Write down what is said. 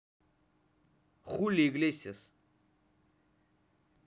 хули иглесиас